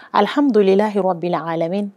Alihamdulilalahi bin a ka lamɛninɛ